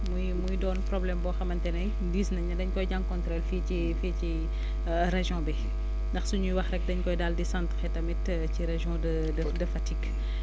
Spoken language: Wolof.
muy muy doon problème boo xamante ne gis nañu dañ koy jànkuwanteel fii ci fii ci région bi ndax suñuy wax rek dañ koy daal di centré tamit ci région de de de Fatick